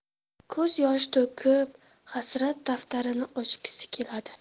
ko'z yoshi to'kib hasrat daftarini ochgisi keladi